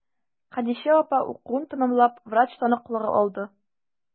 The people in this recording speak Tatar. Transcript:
Хәдичә апа укуын тәмамлап, врач таныклыгы алды.